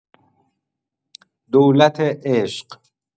دولت عشق